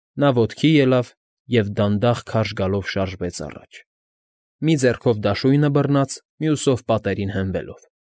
Նա ոտքի ելավ և դանդաղ քարշ գալով շարժվեց առաջ, մի ձեռքով դաշույնը բռնած, մյուսով պատերին հենվելով։